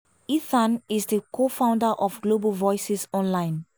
Ethan is the co-founder of Global Voices Online.